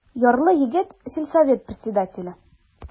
Ярлы егет, сельсовет председателе.